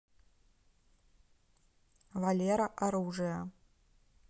валера оружие